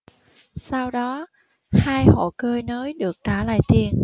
sau đó hai hộ cơi nới được trả lại tiền